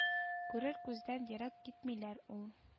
Күрер күздән ерак китмиләр ул